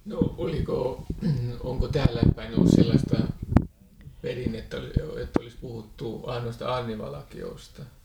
no oliko onko täällä päin ollut sellaista perinnettä että olisi puhuttu noista aarnivalkeista